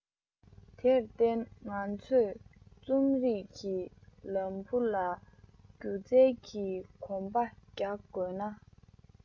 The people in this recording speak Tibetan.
དེར བརྟེན ང ཚོས རྩོམ རིག གི ལམ བུ ལ སྒྱུ རྩལ གྱི གོམ པ རྒྱག དགོས ན